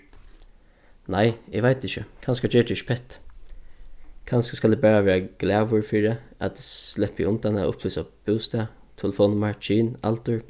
nei eg veit ikki kanska ger tað ikki petti kanska skal eg bara vera glaður fyri at sleppi undan at upplýsa bústað telefonnummar kyn aldur